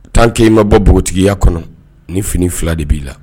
Tant que ki ma bɔ npogotigiya kɔnɔ ni fini fila de bi la